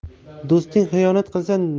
do'sting xiyonat qilsa